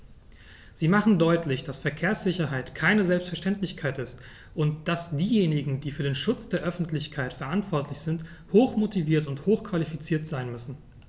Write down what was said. Sie machen deutlich, dass Verkehrssicherheit keine Selbstverständlichkeit ist und dass diejenigen, die für den Schutz der Öffentlichkeit verantwortlich sind, hochmotiviert und hochqualifiziert sein müssen.